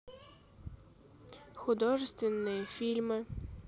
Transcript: художественные фильмы